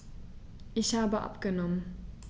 Ich habe abgenommen.